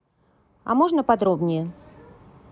а можно подробнее